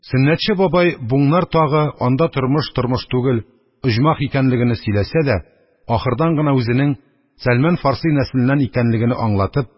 Сөннәтче бабай буңар тагы анда тормыш тормыш түгел – оҗмах икәнлегене сөйләсә дә, ахырдан гына үзенең Сәлман Фарси нәселеннән икәнлегене аңлатып,